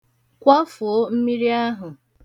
Kwafuo mmiri ahụ.